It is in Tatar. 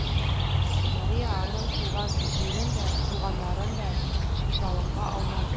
Мария аның туган җирен дә, туганнарын да чалымга алмады.